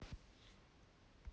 салют придурок